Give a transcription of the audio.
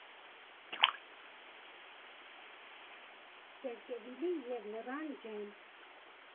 Սերկևիլի և նռան ջեմ։